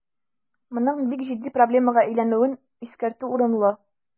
Моның бик җитди проблемага әйләнүен искәртү урынлы.